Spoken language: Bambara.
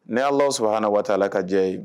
Ne y'a la sabara na waa la ka diya ye